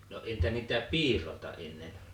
no entä niitä piiraita ennen